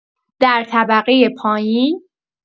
در طبقه پایین